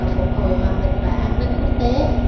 phục hồi hòa bình và an ninh quốc tế